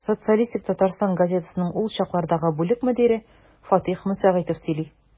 «социалистик татарстан» газетасының ул чаклардагы бүлек мөдире фатыйх мөсәгыйтов сөйли.